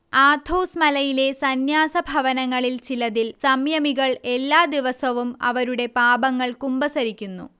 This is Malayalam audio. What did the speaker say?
ആഥോസ് മലയിലെ സന്യാസഭവനങ്ങളിൽ ചിലതിൽ സംയമികൾ എല്ലാ ദിവസവും അവരുടെ പാപങ്ങൾ കുമ്പസാരിക്കുന്നു